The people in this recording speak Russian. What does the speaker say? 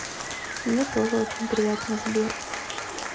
мне тоже очень приятно сбер